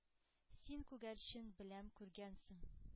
— син, күгәрчен, беләм, күргәнсең,